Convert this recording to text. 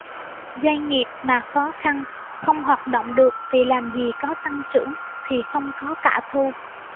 doanh nghiệp mà khó khăn không hoạt động được thì làm gì có tăng trưởng thì không có cả thu